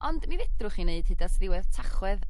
ond mi fedrwch chi neud hyd at ddiwedd Tachwedd